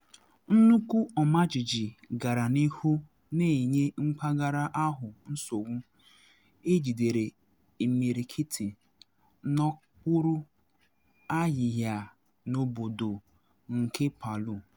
Nnukwu ọmajiji gara n’ihu na enye mpaghara ahụ nsogbu, ejidere imirikiti n’okpuru ahịhịa n’obodo nke Palu.